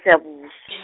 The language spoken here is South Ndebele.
Siyabus-.